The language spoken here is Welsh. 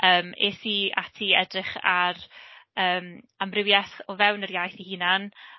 Yym es i ati i edrych ar yym amrywieth o fewn yr iaith ei hunan.